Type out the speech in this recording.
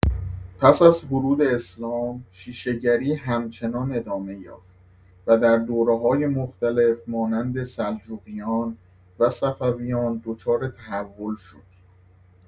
پس از ورود اسلام، شیشه‌گری همچنان ادامه یافت و در دوره‌های مختلف مانند سلجوقیان و صفویان دچار تحول شد.